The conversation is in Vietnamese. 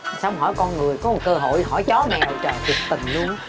sao không hỏi con người có một cơ hội hỏi chó mèo trời thiệt tình luôn á